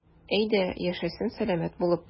Әйдә, яшәсен сәламәт булып.